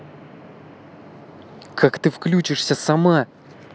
как ты выключишься самара